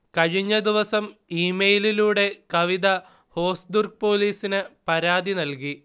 കഴിഞ്ഞദിവസം ഇമെയിലിലൂടെ കവിത ഹോസ്ദുർഗ് പോലീസിന് പരാതി നൽകി